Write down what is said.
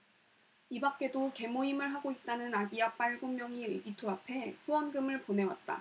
이밖에도 계모임을 하고 있다는 아기 아빠 일곱 명이 의기투합해 후원금을 보내왔다